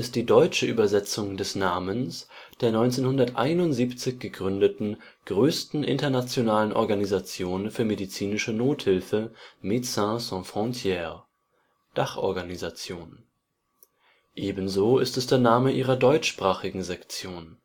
die deutsche Übersetzung des Namens der 1971 gegründeten größten internationalen Organisation für medizinische Nothilfe Médecins Sans Frontières (Dachorganisation). Ebenso ist es der Name ihrer deutschsprachigen Sektion